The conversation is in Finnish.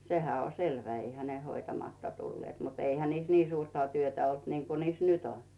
sehän on selvä eihän ne hoitamatta tulleet mutta eihän niissä niin suurta työtä ollut niin kuin niissä nyt on